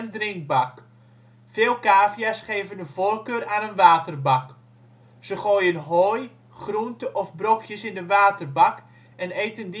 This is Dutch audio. drinkbak. Veel cavia 's geven de voorkeur aan een waterbak. Ze gooien hooi, groente of brokjes in de waterbak en eten